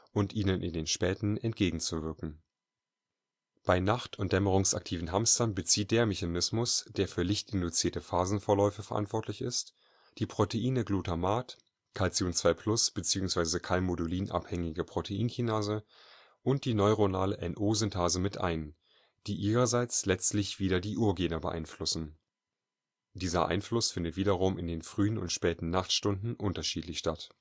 und ihnen in den späten entgegenzuwirken. Bei nacht - und dämmerungsaktiven Hamstern bezieht der Mechanismus, der für lichtinduzierte Phasenvorläufe verantwortlich ist, also Glutamat, Ca2+/Calmodulin-abhängige Proteinkinase und die neuronale NO-Synthase mit ein, die ihrerseits letztlich wieder die „ Uhrgene “beeinflussen. Dieser Einfluss findet wiederum in den frühen und späten Nachtstunden unterschiedlich statt